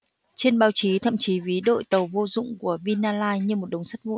trên báo chí thậm chí ví đội tàu vô dụng của vinalines như một đống sắt vụn